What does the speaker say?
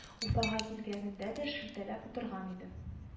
Уфага килгәнендә дә шелтәләп утырган иде